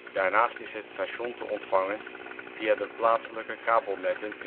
Daarnaast is het station te ontvangen via de plaatselijke kabelnetten